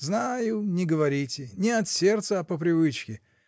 — Знаю, не говорите — не от сердца, а по привычке.